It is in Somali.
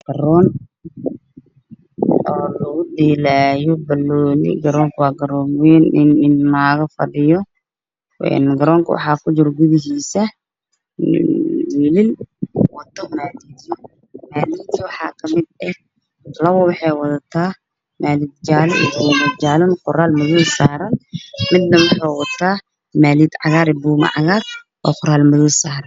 Garoon lagu dhelaayo banooni